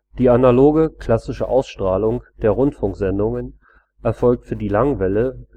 Die analoge klassische Ausstrahlung der Rundfunksendungen erfolgt für die Langwelle